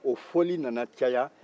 o fɔli nana caya